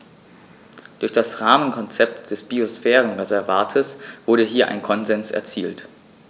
Durch das Rahmenkonzept des Biosphärenreservates wurde hier ein Konsens erzielt.